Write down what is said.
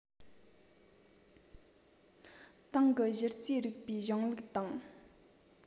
ཏང གི གཞི རྩའི རིགས པའི གཞུང ལུགས དང